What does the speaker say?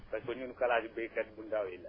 parce que ñun classe baykat bu ndaw yi la